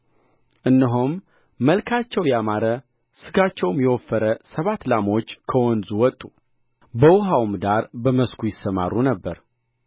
እነሆም መልካቸው ያማረ ሥጋቸውም የወፈረ ሰባት ላሞች ከወንዙ ወጡ በውኃውም ዳር በመስኩ ይሰማሩ ነበር